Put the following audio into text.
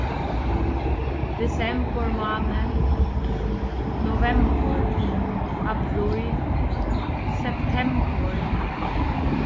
desembur máni novembur apríl septembur